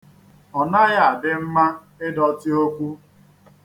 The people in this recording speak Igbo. Ọ naghị adị mma ịdọtị okwu.